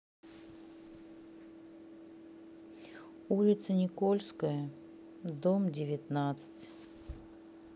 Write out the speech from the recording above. улица никольская дом девятнадцать